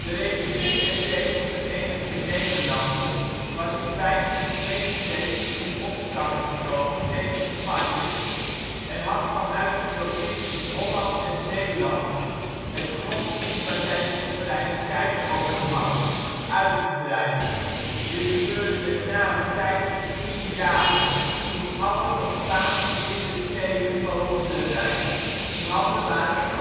Republiek der Zeven Verenigde Nederlanden was in 1572 in opstand gekomen tegen Spanje en had vanuit de provincies Holland en Zeeland het grondgebied waar zij de soevereiniteit over had, uitgebreid. Dit gebeurde met name tijdens de Tien Jaren, toen alle nog Spaansgezinde steden boven de Rijn in handen waren